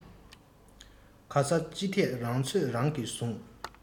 གས ས ཅི ཐད རང ཚོད རང གིས བཟུང